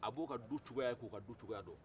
a b'o ka du cogoya ye k'o ka du cogoya don